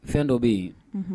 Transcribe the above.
Fɛn dɔ bɛ yen